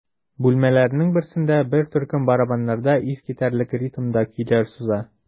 Бүлмәләрнең берсендә бер төркем барабаннарда искитәрлек ритмда көйләр суза.